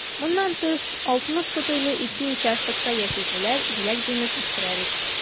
Моннан тыш, 60 сотыйлы ике участокта яшелчәләр, җиләк-җимеш үстерәбез.